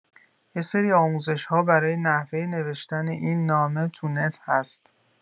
یه سری آموزش‌ها برای نحوه نوشتن این نامه تو نت هست.